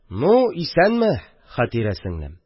Ну, исәнме, Хәтирә сеңелем!